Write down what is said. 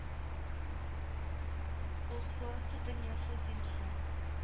Ул су асты дөньясы димсең